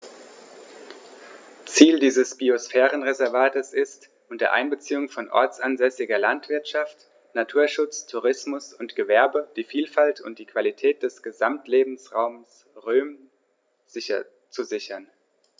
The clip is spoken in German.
Ziel dieses Biosphärenreservates ist, unter Einbeziehung von ortsansässiger Landwirtschaft, Naturschutz, Tourismus und Gewerbe die Vielfalt und die Qualität des Gesamtlebensraumes Rhön zu sichern.